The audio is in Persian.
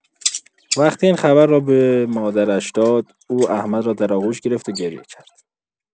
وقتی این خبر را به مادرش داد، او احمد را در آغوش گرفت و گریه کرد.